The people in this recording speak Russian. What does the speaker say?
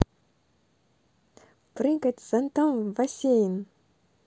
прыгать с зонтом в бассейн